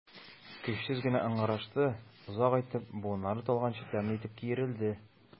Көчсез генә ыңгырашты, озак итеп, буыннары талганчы тәмле итеп киерелде.